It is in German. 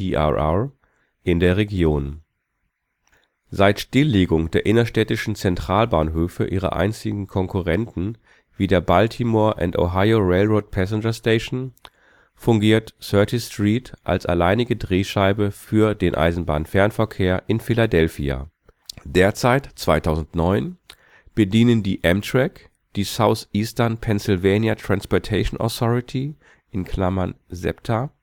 PRR) in der Region. Seit Stilllegung der innerstädtischen Zentralbahnhöfe ihrer einstigen Konkurrenten wie der Baltimore and Ohio Railroad Passenger Station fungiert 30th Street als alleinige Drehscheibe für den Eisenbahn-Fernverkehr in Philadelphia. Derzeit (2009) bedienen die Amtrak, die Southeastern Pennsylvania Transportation Authority (SEPTA